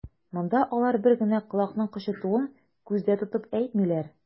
Монда алар бер генә колакның кычытуын күздә тотып әйтмиләр.